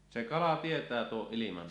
se kala tietää tuon ilman